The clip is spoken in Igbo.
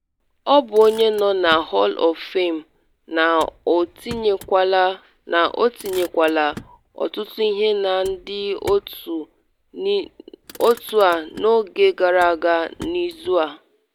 Ọ bụ onye nọ na Hall of Fame, na o tinyekwala ọtụtụ ihe na ndị otu a n’oge gara aga na n’izu a.